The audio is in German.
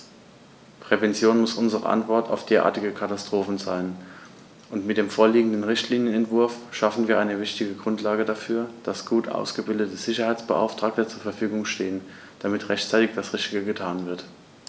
Prävention muss unsere Antwort auf derartige Katastrophen sein, und mit dem vorliegenden Richtlinienentwurf schaffen wir eine wichtige Grundlage dafür, dass gut ausgebildete Sicherheitsbeauftragte zur Verfügung stehen, damit rechtzeitig das Richtige getan wird.